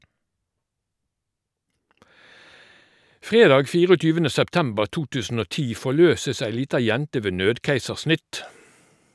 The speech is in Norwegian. Fredag 24. september 2010 forløses ei lita jente ved nødkeisersnitt.